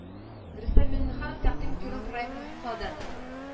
Рөстәм Миңнеханов тәкъдим ителгән проектны хуплады